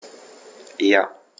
Ja.